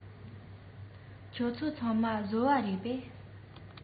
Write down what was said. ཁྱེད ཚོ ཚང མ བཟོ པ རེད པས